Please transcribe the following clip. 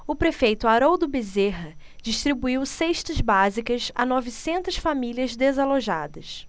o prefeito haroldo bezerra distribuiu cestas básicas a novecentas famílias desalojadas